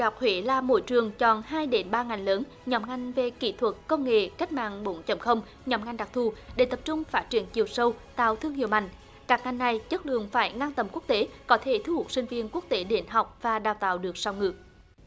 học huế là mỗi trường chọn hai đến ba ngành lớn nhóm ngành về kỹ thuật công nghệ cách mạng bốn chấm không nhằm ngăn đặc thù để tập trung phát triển chiều sâu tạo thương hiệu mạnh các ngành này chất lượng phải ngang tầm quốc tế có thể thu hút sinh viên quốc tế đến học và đào tạo được song ngữ